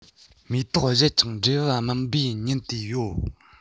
མེ ཏོག བཞད ཅིང འབྲས བུ སྨིན པའི ཉིན དེ ཡོད